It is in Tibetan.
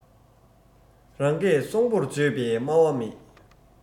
རང སྐད སྲོང པོར བརྗོད པའི སྨྲ བ མེད